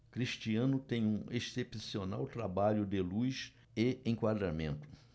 cristiano tem um excepcional trabalho de luz e enquadramento